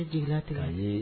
Ne ye jigi tigɛ ye